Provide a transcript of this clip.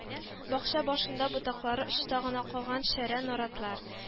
Бакча башында ботаклары очта гына калган шәрә наратлар